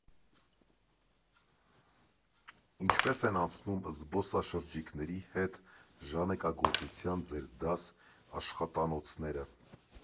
Ինչպե՞ս են անցնում զբոսաշրջիկների հետ ժանեկագործության ձեր դաս֊աշխատանոցները։